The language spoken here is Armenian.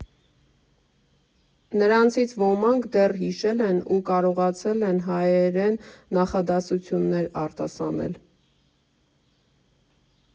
Նրանցից ոմանք դեռ հիշել են ու կարողացել են հայերեն նախադասություններ արտասանել։